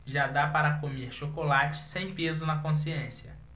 já dá para comer chocolate sem peso na consciência